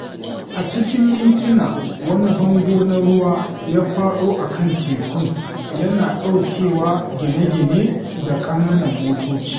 A cikin mintina wani bango na ruwa ya faɗo a kan tekun, yana ɗaukewa gine-gine da ƙananan motoci.